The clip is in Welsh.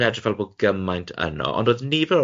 yn edrych fel bod gymaint yno, ond oedd nifer o'n rhai